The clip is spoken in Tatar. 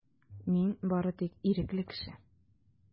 Мин бары тик ирекле кеше.